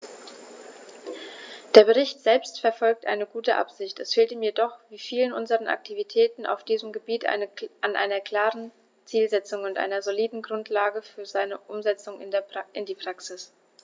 Der Bericht selbst verfolgt eine gute Absicht, es fehlt ihm jedoch wie vielen unserer Aktivitäten auf diesem Gebiet an einer klaren Zielsetzung und einer soliden Grundlage für seine Umsetzung in die Praxis.